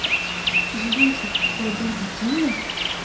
Зюзюнчик, ярдәм итимме?